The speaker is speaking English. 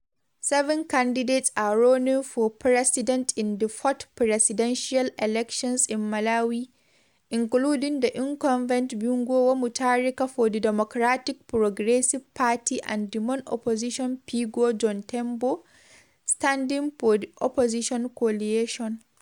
Seven candidates are running for president in the fourth presidential elections in Malawi, including the incumbent Bingu wa Mutharika for the Democratic Progressive Party and the main opposition figure John Tembo, standing for the opposition coalition.